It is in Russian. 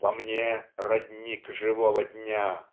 Во мне -- родник живого дня